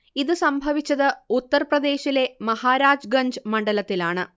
ഇത് സംഭവിച്ചത് ഉത്തർ പ്രദേശിലെ മഹാരാജ്ഗഞ്ച് മണ്ഡലത്തിലാണ്